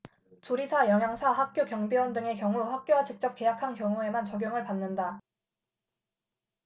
조리사 영양사 학교 경비원 등의 경우 학교와 직접 계약한 경우에만 적용을 받는다